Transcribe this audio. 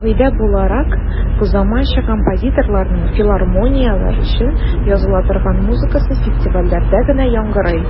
Кагыйдә буларак, заманча композиторларның филармонияләр өчен языла торган музыкасы фестивальләрдә генә яңгырый.